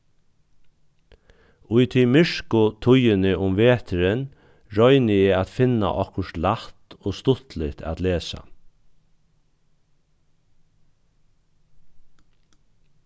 í tí myrku tíðini um veturin royni eg at finna okkurt lætt og stuttligt at lesa